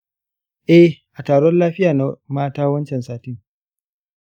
eh, a taron lafiya na mata wancan satin.